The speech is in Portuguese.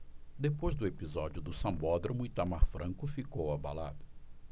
depois do episódio do sambódromo itamar franco ficou abalado